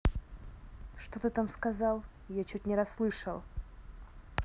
что ты там сказал я чуть не расслышал